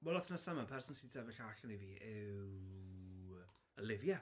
Wel, yr wythnos yma, person sy'n sefyll allan i fi yw, Olivia.